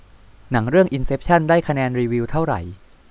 หนังเรื่องอินเซปชั่นได้คะแนนรีวิวเท่าไหร่